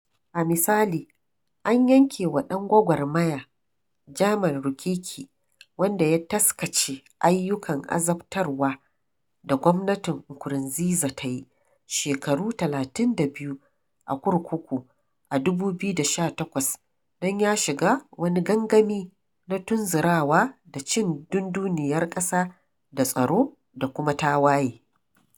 A misali, an yanke wa ɗan gwagwarmaya Germain Rukiki wanda ya taskace ayyukan azabtarwar da gwamnatin Nkurunziza ta yi, shekaru 32 a kurkuku a 2018 don ya shiga wani gangami na tunzurawa da cin dunduniyar ƙasa da tsaro da kuma tawaye.